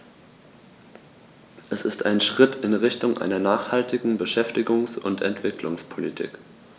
Er ist ein Schritt in Richtung einer nachhaltigen Beschäftigungs- und Entwicklungspolitik.